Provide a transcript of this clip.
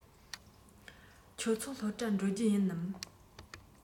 ཁྱོད ཚོ སློབ གྲྭར འགྲོ རྒྱུ ཡིན ནམ